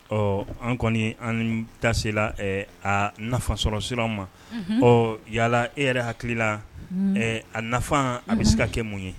Ɔ an kɔni an taa se a nafa sɔrɔ sira ma ɔ yalala e yɛrɛ hakili la a nafafan a bɛ se ka kɛ mun ye